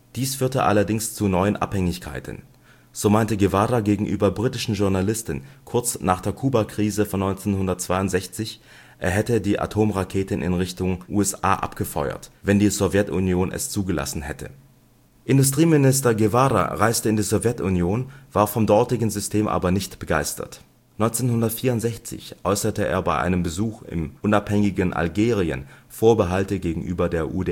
Dies führte allerdings zu neuen Abhängigkeiten. So meinte Guevara gegenüber britischen Journalisten kurz nach der Kubakrise von 1962, er hätte die Atomraketen in Richtung USA abgefeuert, wenn die Sowjetunion es zugelassen hätte. Industrieminister Guevara reiste in die Sowjetunion, war vom dortigen System aber nicht begeistert. 1964 äußerte er bei einem Besuch im unabhängigen Algerien Vorbehalte gegenüber der UdSSR